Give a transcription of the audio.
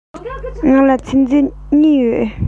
ང ལ ཚིག མཛོད གཉིས ཡོད